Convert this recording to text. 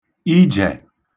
ijẹ̀